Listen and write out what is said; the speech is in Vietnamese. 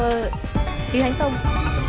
lý thánh tông